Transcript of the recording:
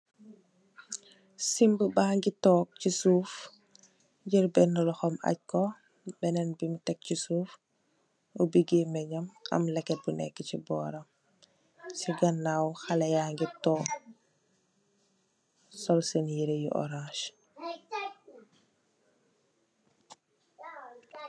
Zimba ba ngi tóóg ci suuf jél benna loxom aj ko benen bi mu tèk ci suuf, upi geeme jém am lèk bu nekka ci bóram, si ganaw xalèh ya ngi tóóg sol sèèn yirèh yu orans.